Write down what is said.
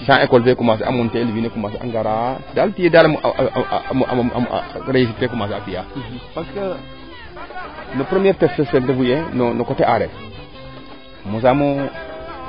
Jean ecole fee commencer monter :far el wiin we commencer a ngara aa a reussite fee a commencer a fiya parce que no premier perdre fee ten refu yee no coté areer mosaamo